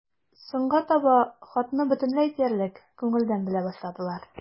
Соңга таба хатны бөтенләй диярлек күңелдән белә башладылар.